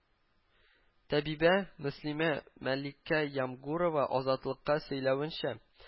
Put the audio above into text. Табибә, мөслимә Мәликә Ямгурова Азатлыкка сөйләвенчә